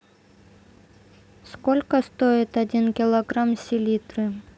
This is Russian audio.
сколько стоит один килограмм селитры